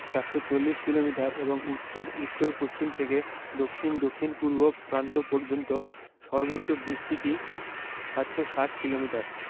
৪৪০ kilometre এবং উত্তর উত্তর পশ্চিম থেকে দক্ষিণ দক্ষিণপূর্ব প্রান্ত পর্যন্ত সর্বোচ্চ বিস্তৃতি ৭৬০ কিলোমিটার